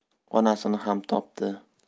onasini ham topdi